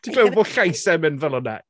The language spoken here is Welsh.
Ti'n... ie ...clywed bod llais e'n mynd fel hwnna?